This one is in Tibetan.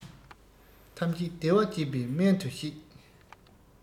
ཐམས ཅད བདེ བ སྐྱེད པའི སྨན དུ བཤད